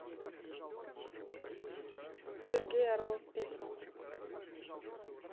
сергей орлов песня